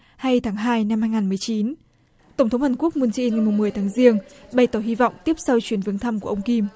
hay tháng hai năm hai ngàn mười chín tổng thống hàn quốc mun gin ngày mùng mười tháng giêng bày tỏ hy vọng tiếp sau chuyến viếng thăm của ông kim